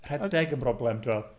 Rhedeg yn broblem ti weld.